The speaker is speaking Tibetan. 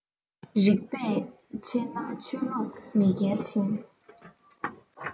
རིག པས དཔྱད ན ཆོས ལུགས མི འགལ ཞིང